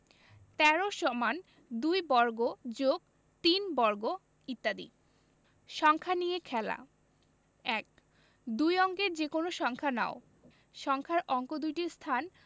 ১৩ = ২ বর্গ + ৩ বর্গ ইত্যাদি সংখ্যা নিয়ে খেলা ১ দুই অঙ্কের যেকোনো সংখ্যা নাও সংখ্যার অঙ্ক দুইটির স্থান